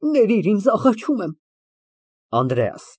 Ներիր ինձ, աղաչում եմ։ ԱՆԴՐԵԱՍ ֊